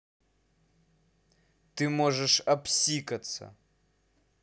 ты можешь обсикаться